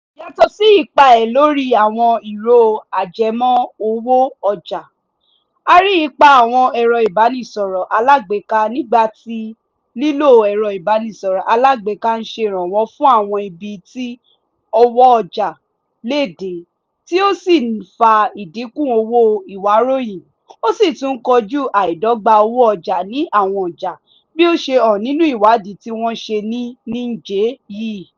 Yàtọ̀ sí ipa ẹ lórí àwọn ìró ajẹmọ́ òwò/ọjà, a rí ipa àwọn ẹ̀rọ ìbánisọ̀rọ̀ alágbéká nígbà tí lílo ẹ̀rọ ìbánisọ̀rọ̀ alágbéká ń ṣerànwọ́ fún àwọn ibi tí ọwọ́já lè dé tí ó sì ń fà ìdínkù owó ìwáróyìn, ó sì tún kojú àìdọ́gbá owó ọjà ní àwọn ọjà, bí ó ṣe hàn nínú ìwádìí tí wọn ṣe ní Niger yìí.